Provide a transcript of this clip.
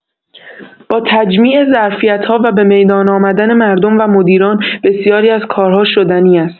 با تجمیع ظرفیت‌ها و به میدان آمدن مردم و مدیران، بسیاری از کارها شدنی است.